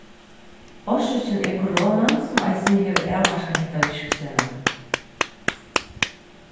orsøkin er koronan sum eisini hevur avmarkað hetta virksemið